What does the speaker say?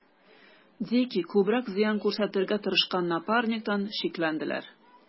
Дикий күбрәк зыян күрсәтергә тырышкан Напарниктан шикләнделәр.